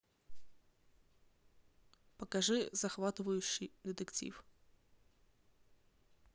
покажи захватывающий детектив